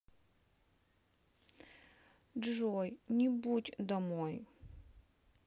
джой не будь домой